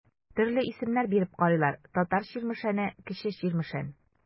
Төрле исемнәр биреп карыйлар: Татар Чирмешәне, Кече Чирмешән.